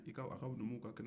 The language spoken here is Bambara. i ka-aw ka numuw ka kɛnɛ